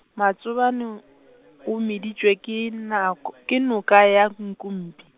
Matsobane o, o meditšwe ke nako, ke noka ya Nkumpi.